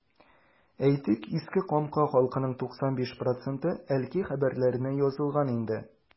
Әйтик, Иске Камка халкының 95 проценты “Әлки хәбәрләре”нә язылган инде.